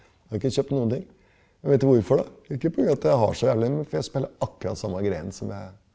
jeg har ikke kjøpt noen ting, vet hvorfor da, ikke pga. at det har så jævlig, men fordi jeg spiller akkurat samme greiene som jeg.